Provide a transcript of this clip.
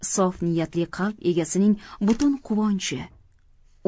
sof niyatli qalb egasining butun quvonchi